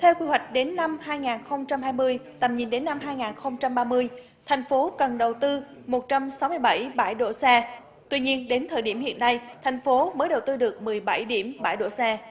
theo quy hoạch đến năm hai ngàn không trăm hai mươi tầm nhìn đến năm hai ngàn không trăm ba mươi thành phố cần đầu tư một trăm sáu mươi bảy bãi đỗ xe tuy nhiên đến thời điểm hiện nay thành phố mới đầu tư được mười bảy điểm bãi đỗ xe